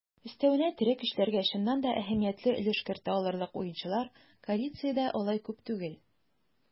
Өстәвенә, тере көчләргә чыннан да әһәмиятле өлеш кертә алырлык уенчылар коалициядә алай күп түгел.